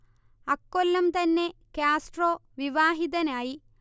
അക്കൊല്ലം തന്നെ കാസ്ട്രോ വിവാഹിതനായി